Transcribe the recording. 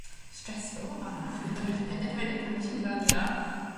stressful fan 'na ac o'n i 'di penderfynu pan nesh i graddio